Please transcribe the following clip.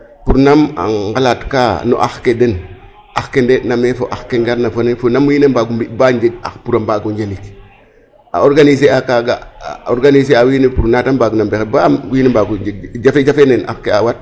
Pour nam a nqalaatka no ax ke den ax ke nde'ina meen fo ax ke ngarna fo nam wiin mbaagu mbi' ba njeg ax pour a mbaag o Njilik a organiser a kaaga a organiser a wiin we pour na da mbaagna mbexey ba wiin we mbaago njeg jafe jafe ne ax ke a wat.